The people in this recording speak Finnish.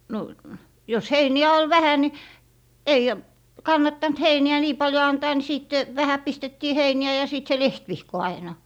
no jos heiniä oli vähän niin ei kannattanut heiniä niin paljon antaa niin sitten vähän pistettiin heiniä ja sitten se lehtivihko aina